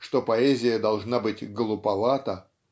что поэзия должна быть "глуповата"